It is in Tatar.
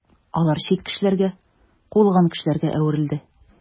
Алар чит кешеләргә, куылган кешеләргә әверелде.